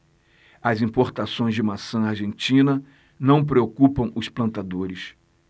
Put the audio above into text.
as importações de maçã argentina não preocupam os plantadores